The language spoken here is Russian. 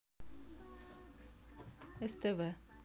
ств